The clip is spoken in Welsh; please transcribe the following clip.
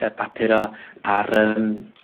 ...yy bapur o ar yym